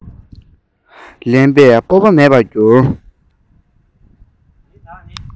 ལེན པའི སྤོབས པ མེད པར གྱུར